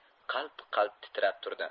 qalt qalt titrab turdi